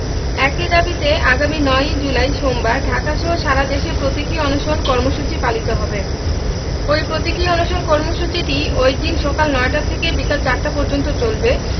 একই দাবিতে আগামী ৯ ই জুলাই সোমবার ঢাকাসহ সারাদেশে প্রতীকী অনশন কর্মসূচি পালিত হবে ওই প্রতীকী অনশন কর্মসূচিটি ওইদিন সকাল ৯টা থেকে বিকেল ৪টা পর্যন্ত চলবে